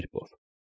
Կերպով։